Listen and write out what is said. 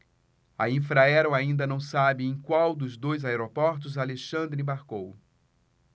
a infraero ainda não sabe em qual dos dois aeroportos alexandre embarcou